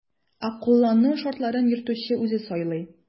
Ә кулланылу шартларын йөртүче үзе сайлый.